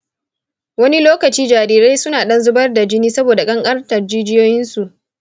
wani lokaci jarirai suna ɗan zubar da jini saboda ƙanƙantar jijiyoyinsu.